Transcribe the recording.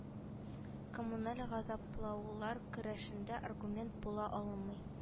Коммуналь газаплаулар көрәшендә аргумент була алмый